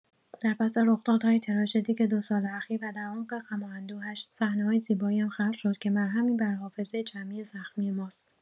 در پس رخدادهای تراژدیک دو سال اخیر و در عمق غم و اندوه‌اش، صحنه‌های زیبایی هم خلق شد که مرهمی بر حافظه جمعی زخمی ماست.